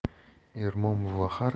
ermon buva har